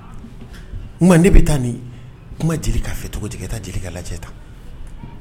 Manden bɛ taa min kuma Jeli fɛ cogo i ka taa Jelika lajɛ tan